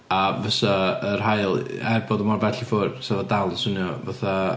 A fysa yr haul heb fod mor bell i ffwrdd 'sa fo dal i swnio fatha...